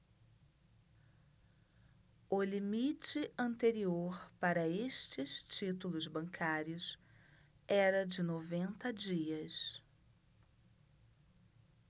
o limite anterior para estes títulos bancários era de noventa dias